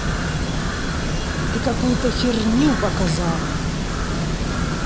ты какую то херню показала